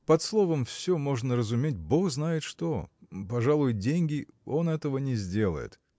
Под словом все можно разуметь бог знает что, пожалуй, деньги он этого не сделает.